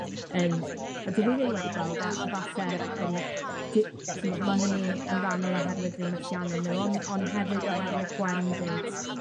yym a 'dyn ni ddim wedi gweld e, a falle yn j- t'mo' ma' hynny yn rhannol oherwydd eu methianne nw, on' m- on' hefyd oherwydd gwendid